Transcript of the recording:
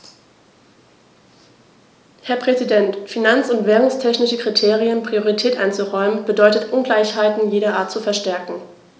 Herr Präsident, finanz- und währungstechnischen Kriterien Priorität einzuräumen, bedeutet Ungleichheiten jeder Art zu verstärken.